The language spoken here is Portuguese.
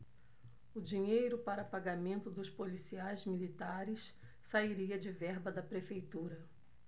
o dinheiro para pagamento dos policiais militares sairia de verba da prefeitura